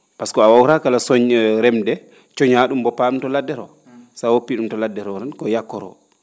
pasque a waawaraa kala soñ remde coña ?um mboppaa ?um to ladde roo so a woppii ?um to ladde roo ran ko yakkoroo